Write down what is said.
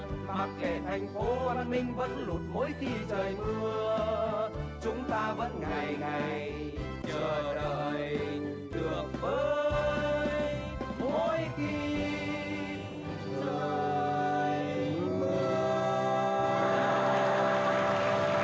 mặc kệ thành phố an ninh vẫn lụt mỗi khi trời mưa chúng ta vẫn ngày ngày chờ đợi được bơi mỗi khi trời mưa